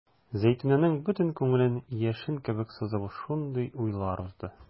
Зәйтүнәнең бөтен күңелен яшен кебек сызып шундый уйлар узды.